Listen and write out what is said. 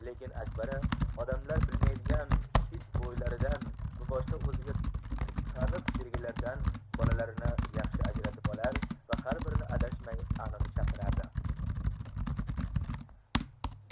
lekin akbara odamlar bilmaydigan hid bo'ylaridan va boshqa o'ziga taniq belgilardan bolalarini yaxshi ajratib olar va har birini adashmay aniq chaqirardi